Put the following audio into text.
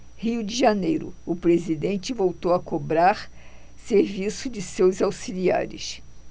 rio de janeiro o presidente voltou a cobrar serviço de seus auxiliares